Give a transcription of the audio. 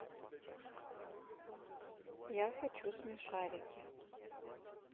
я хочу смешарики